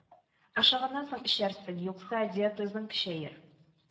Ашаганнан соң эчәрсең юкса диатезың көчәер